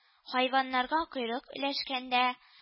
Хайваннарга койрык өләшкәндә